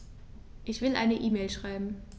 Ich will eine E-Mail schreiben.